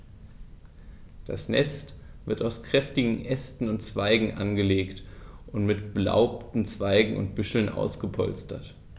Das Nest wird aus kräftigen Ästen und Zweigen angelegt und mit belaubten Zweigen und Büscheln ausgepolstert.